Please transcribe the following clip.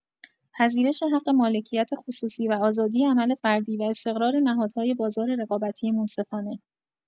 پذیرش حق مالکیت خصوصی و آزادی عمل فردی و استقرار نهادهای بازار رقابتی منصفانه.